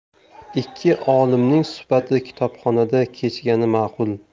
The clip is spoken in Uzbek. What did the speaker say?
ikki olimning suhbati kitobxonada kechgani ma'qul